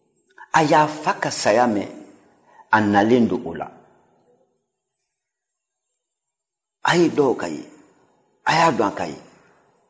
a y'a fa ka saya mɛn a nalen don o la o ye dɔw kan ye